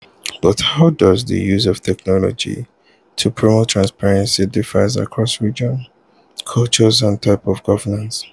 But how does the use of technology to promote transparency differ across regions, cultures, and types of governance?